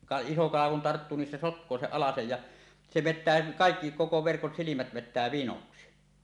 - iso kala kun tarttuu niin se sotkee sen alasen ja se vetää kaikki koko verkon silmät vetää vinoksi